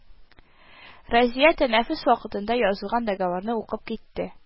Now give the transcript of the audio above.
Разия тәнәфес вакытында язылган договорны укып китте: